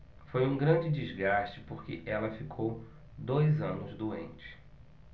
foi um grande desgaste porque ela ficou dois anos doente